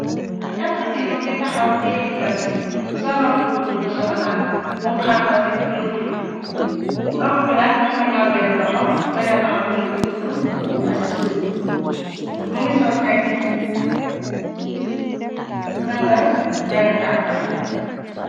Janqa bi mingi taxaw teyeh negambe so roubu bi gudd bu sokola bum xar ba ci lupy roubu bi nag munku nyaw benn loxo beneen loxo bi mngi guddu ba ci suuf mu ngi sol tegg tëngal benn tànkam.